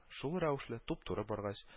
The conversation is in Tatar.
Шул рәвешле туп-туры баргач